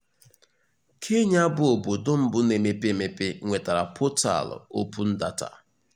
Kenya bụ obodo mbụ na-emepe emepe nwetara pọtalụ Open Data.